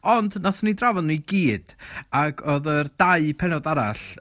Ond wnaethon ni drafod nhw i gyd, ac oedd yr dau pennod arall.